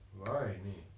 vai niin